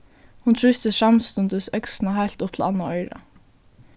hon trýstir samstundis økslina heilt upp til annað oyrað